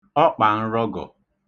ọkpànrọgọ̀